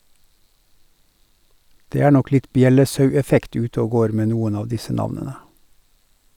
Det er nok litt bjellesaueffekt ute og går med noen av disse navnene.